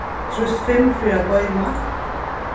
trýst fimm fyri at goyma